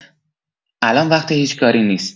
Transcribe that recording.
الان وقت هیچ کاری نیست